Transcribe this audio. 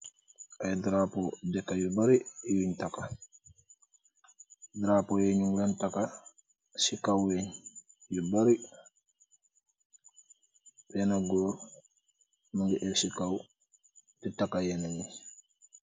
Aiiy drapeau dehkah yu bari yungh tahkah, drapeau yii nung len tahkah cii kaww weunghh yu bari, benah gorre mungy ehhg cii kaww dii tahkah yenen yii.